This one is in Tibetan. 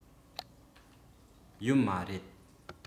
ཡོད མ རེད